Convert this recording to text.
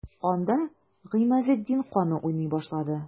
Анда Гыймазетдин каны уйный башлады.